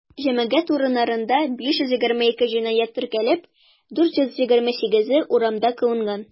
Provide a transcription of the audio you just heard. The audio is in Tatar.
Җәмәгать урыннарында 522 җинаять теркәлеп, 428-е урамда кылынган.